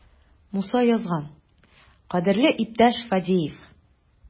Муса язган: "Кадерле иптәш Фадеев!"